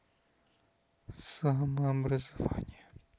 самообразование